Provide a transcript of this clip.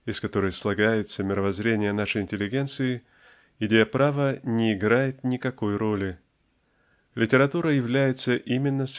из которой слагается мировоззрение нашей интеллигенции идея права не играет никакой роли. Литература является именно